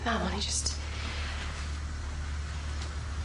Mam o'n i jyst...